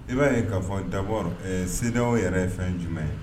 I b'a ye ka fɔ da sew yɛrɛ ye fɛn jumɛn ye